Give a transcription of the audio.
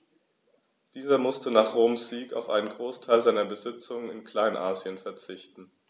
Dieser musste nach Roms Sieg auf einen Großteil seiner Besitzungen in Kleinasien verzichten.